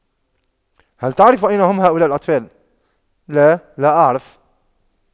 هل تعرف أين هم هؤلاء الأطفال لا لا أعرف